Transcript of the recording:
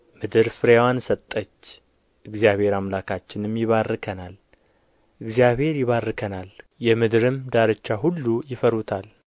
ምድር ፍሬዋን ሰጠች እግዚአብሔር አምላካችንም ይባርከናል እግዚአብሔር ይባርከናል የምድርም ዳርቻ ሁሉ ይፈሩታል